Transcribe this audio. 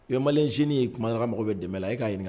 Omacinin ye kuma saraka mago bɛ dɛmɛ e k'a ɲininka